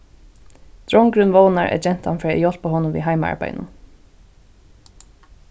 drongurin vónar at gentan fer at hjálpa honum við heimaarbeiðinum